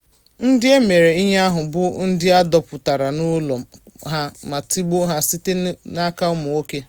Ndị e mere ihe ahụ bụ ndị a dọpụtara n'ụlọ ha ma tigbuo ha site n'aka ụmụ nwoke kpuchiri ihu ji osisi.